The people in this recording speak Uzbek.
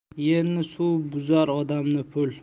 yerni suv buzar odamni pul